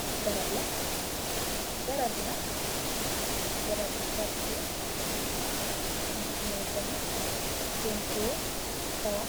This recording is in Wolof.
Ab garab la, garab bi nak, garab bu werte la, mingi amme tamit tontor si kawam,